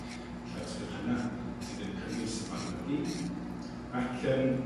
Llawysgrif hynna sydd yn cynnwys a mabinogi, ac yym